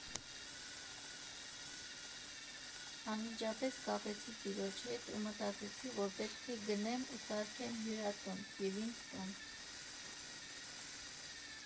Անմիջապես կապվեցի տիրոջ հետ ու մտածեցի, որ պետք է գնեմ ու սարքեմ հյուրատուն և ինձ տուն։